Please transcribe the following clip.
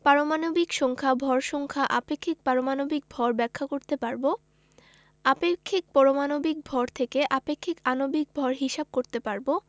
পারমাণবিক সংখ্যা ভর সংখ্যা আপেক্ষিক পারমাণবিক ভর ব্যাখ্যা করতে পারব আপেক্ষিক পারমাণবিক ভর থেকে আপেক্ষিক আণবিক ভর হিসাব করতে পারব